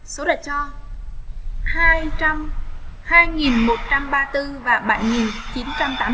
số đẹp cho và